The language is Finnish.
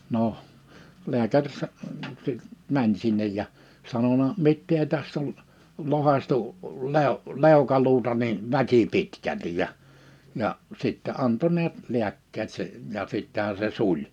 no lääkäri -- meni sinne ja sanonut mitä tästä on lohkaistu - leukaluuta niin väkipitkälti ja ja sitten antoi näet lääkkeet se ja sittenhän se suli